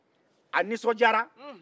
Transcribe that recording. a nisɔndiyara